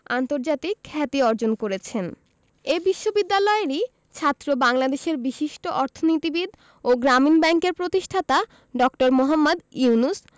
আন্তর্জাতিক খ্যাতি অর্জন করেছেন এ বিশ্ববিদ্যালয়েরই ছাত্র বাংলাদেশের বিশিষ্ট অর্থনীতিবিদ ও গ্রামীণ ব্যাংকের প্রতিষ্ঠাতা ড. মোহাম্মদ ইউনুস